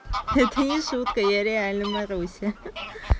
это не шутка я реально маруся